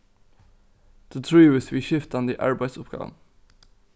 tú trívist við skiftandi arbeiðsuppgávum